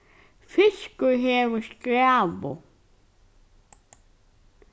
fiskur hevur skræðu